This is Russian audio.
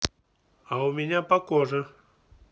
а у меня по коже